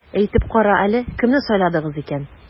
Әйтеп кара әле, кемне сайладыгыз икән?